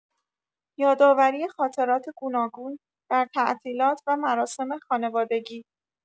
یادآوری خاطرات گوناگون در تعطیلات و مراسم خانوادگی